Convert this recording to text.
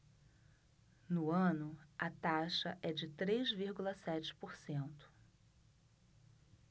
no ano a taxa é de três vírgula sete por cento